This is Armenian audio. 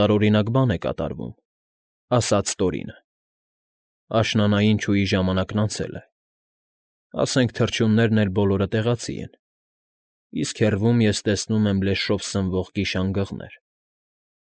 Տարօրինակ բան է կատարվում, ֊ ասաց Տորինը։ ֊ Աշնանային չուի ժամանակն անցել է, ասենք թռչուններն էլ բոլորը տեղացի են, իսկ հեռվում ես տեսնում եմ լեշով սնվող գիշանգղներ,